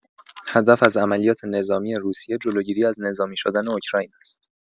هدف از عملیات نظامی روسیه جلوگیری از نظامی شدن اوکراین است.